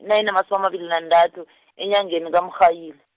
nayinamasumi amabili nantathu , enyangeni kaMrhayili.